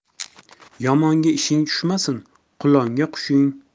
yomonga ishing tushmasin qulonga qushing